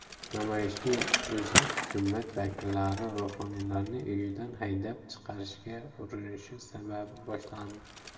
namoyishning o'zi hukumat vakillari ruhoniyni uyidan haydab chiqarishga urinishi sababli boshlandi